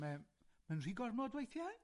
Mae mae'n rhy gormod weithiau?